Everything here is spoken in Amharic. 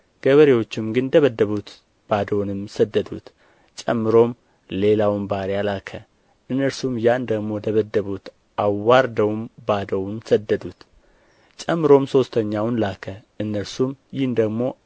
ገበሬዎቹ ግን ደበደቡት ባዶውንም ሰደዱት ጨምሮም ሌላውን ባሪያ ላከ እነርሱም ያን ደግሞ ደበደቡት አዋርደውም ባዶውን ሰደዱት ጨምሮም ሦስተኛውን ላከ እነርሱም ይህን ደግሞ